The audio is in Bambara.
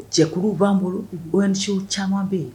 Cɛkulu b'an bolosiww caman bɛ yen